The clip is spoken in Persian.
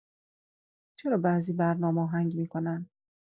چرا بعضی برنامه‌‌ها هنگ می‌کنن؟